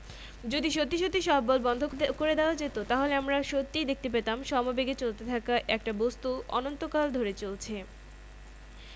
যদি সত্যি সত্যি সব বল বন্ধ করে দেওয়া যেত তাহলে আমরা সত্যিই দেখতে পেতাম সমবেগে চলতে থাকা একটা বস্তু অনন্তকাল ধরে চলছে